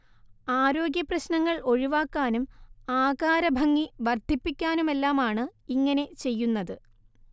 ആരോഗ്യപ്രശ്നങ്ങൾ ഒഴിവാക്കാനും ആകാരഭംഗി വർദ്ധിപ്പിക്കാനുമെല്ലാമാണ് ഇങ്ങനെ ചെയ്യുന്നത്